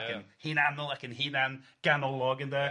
ac yn hunanol ac yn hunanganolog ynde